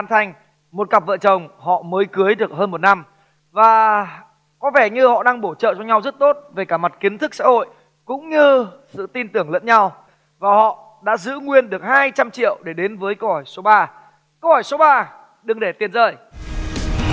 thanh một cặp vợ chồng họ mới cưới được hơn một năm và có vẻ như họ đang bổ trợ cho nhau rất tốt về cả mặt kiến thức xã hội cũng như sự tin tưởng lẫn nhau và họ đã giữ nguyên được hai trăm triệu để đến với câu hỏi số ba câu hỏi số ba đừng để tiền rơi